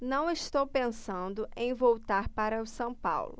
não estou pensando em voltar para o são paulo